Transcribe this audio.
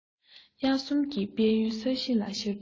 དབྱར གསུམ གྱི དཔལ ཡོན ས གཞི ལ ཤར དུས